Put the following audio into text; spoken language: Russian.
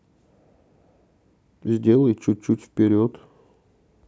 сделай чуть чуть вперед